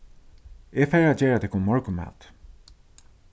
eg fari at gera tykkum morgunmat